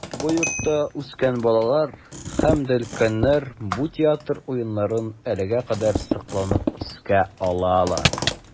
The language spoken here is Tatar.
Бу йортта үскән балалар һәм дә өлкәннәр бу театр уеннарын әлегә кадәр сокланып искә алалар.